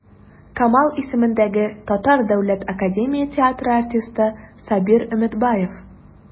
Камал исемендәге Татар дәүләт академия театры артисты Сабир Өметбаев.